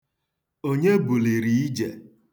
Onye buliri ije?